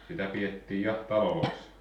sitä pidettiin ja taloissa